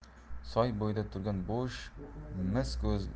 soy bo'yida turgan bo'sh mis